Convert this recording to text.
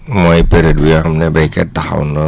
mooy période bi nga xam ne béykat taxaw na